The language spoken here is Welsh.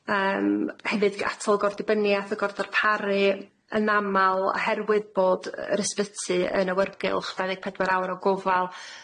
Yym hefyd g- atal o gordybynieth o gordorparu yn amal oherwydd bod yr ysbyty yn awyrgylch dau ddeg pedwar awr o gofal.